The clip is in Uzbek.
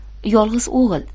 yolg'iz o'g'il